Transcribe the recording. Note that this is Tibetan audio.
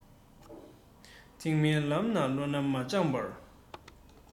ཐེག དམན ལམ ལ བློ སྣ མ སྦྱངས པར